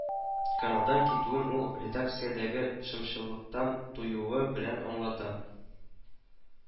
Каналдан китүен ул редакциядәге шымчылыктан туюы белән аңлата